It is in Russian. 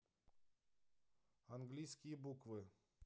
английские буквы